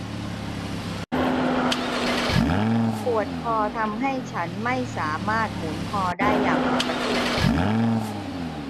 ปวดคอทำให้ฉันไม่สามารถหมุนคอได้อย่างปกติ